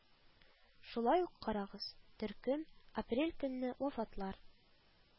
Шулай ук карагыз: Төркем: апрель көнне вафатлар